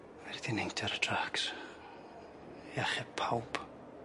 Medri di neidio ar y tracs i achub pawb.